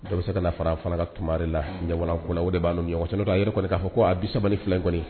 Dɔ be se kana fara a fana kan tumadela unhun ɲɛwalan ko la o de b'an n'u ni ɲɔgɔn cɛ nɔtɛ a yɛrɛ kɔni k'a fɔ ko a 32 in kɔni